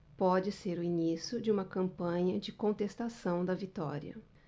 pode ser o início de uma campanha de contestação da vitória